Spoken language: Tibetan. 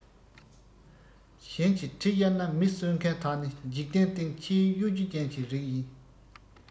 གཞན གྱི གྲི གཡར ན མི གསོད མཁན དག ནི འཇིག རྟེན སྟེང ཆེས གཡོ སྒྱུ ཅན གྱི རིགས ཡིན